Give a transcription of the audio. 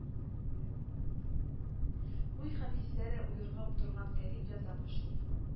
Уй һәм хисләре ургып торган Кәрим яза башлый.